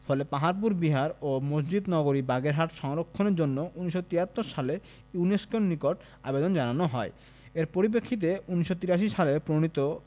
ফলে পাহারপুর বিহার ও মসজিদ নগরী বাগেরহাট সংরক্ষণের জন্য ১৯৭৩ সালে ইউনেস্কোর নিকট আবেদন জানানো হয় এর পরিপ্রেক্ষিতে ১৯৮৩ সালে প্রণীত